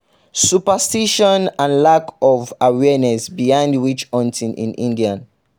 Superstition and lack of awareness behind witch-hunting in India